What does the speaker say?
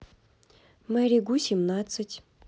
мери гу семнадцать